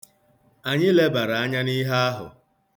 Anyị lebara anya n'ihe ahụ.